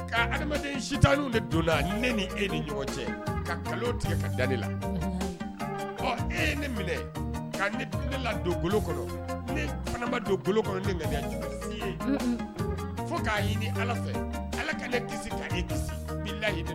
Ta ni cɛ tigɛ da la e ye minɛ ka la don kɔnɔ ne don kɔnɔ ni ye fo k'a ala fɛ ala ka ne layi